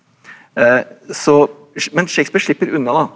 så men Shakespeare slipper unna da.